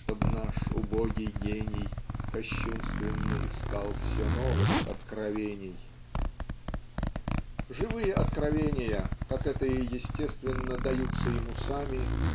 чтоб наш убогий гений Кощунственно искал все новых откровений. Живые откровения как это и естественно даются ему сами